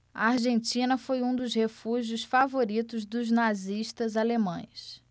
a argentina foi um dos refúgios favoritos dos nazistas alemães